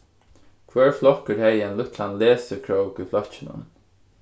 hvør flokkur hevði ein lítlan lesikrók í flokkinum